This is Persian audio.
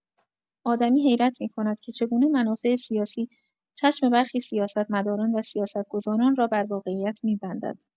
آدمی حیرت می‌کند که چگونه منافع سیاسی، چشم برخی سیاست‌مداران و سیاست‌گذاران را بر واقعیت می‌بندد.